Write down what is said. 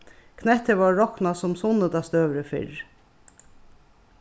knettir vórðu roknað sum sunnudagsdøgurði fyrr